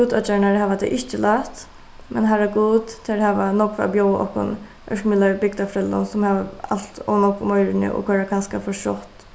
útoyggjarnar hava tað ikki lætt men harragud tær hava nógv at bjóða okkum bygdarfrellum sum hava alt ov nógv um oyruni og koyra kanska for skjótt